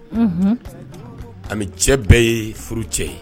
A cɛ bɛɛ ye furu cɛ ye